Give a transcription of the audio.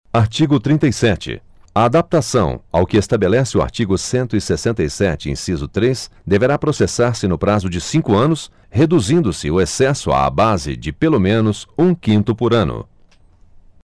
artigo trinta e sete a adaptação ao que estabelece o artigo cento e sessenta e sete inciso três deverá processar se no prazo de cinco anos reduzindo se o excesso à base de pelo menos um quinto por ano